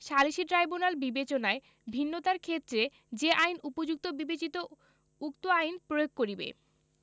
সালিসী ট্রাইব্যুনাল বিবেচনায় ভিন্নতার ক্ষেত্রে যে আইন উপযুক্ত বিবেচিত উক্ত আইন প্রয়োগ করিবে